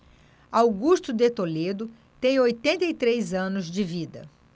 augusto de toledo tem oitenta e três anos de vida